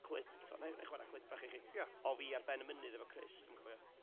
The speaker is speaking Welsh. clip tibod, wna i wna i chwarae clip bach i chi... ia... o fi ar ben y mynydd efo Chris, dwi'm yn cofio.